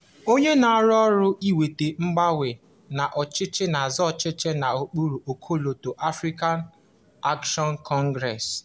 Onye a na-arụ ọrụ iweta mgbanwe n'ọchịchị na-azọ ọchịchị n'okpuru ọkọlọtọ African Action Congress.